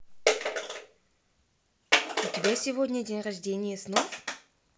у тебя сегодня день рождения снов